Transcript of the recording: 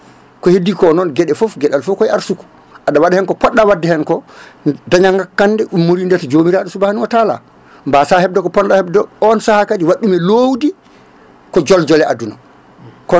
ko heydi ko noon gueɗe foof gueɗal foof koye arsugo aɗa waɗa hen ko poɗɗa wadde hen ko daña ngakkande ummoride to jamiraɗo subahanuhu watala basa hebde ko ponno ɗa hebde o saaha kadi waɗɗum e lowdi ko joljole aduna